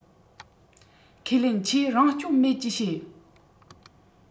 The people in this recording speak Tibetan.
ཁས ལེན ཁྱེད རང བསྐྱོན མེད ཅེས བཤད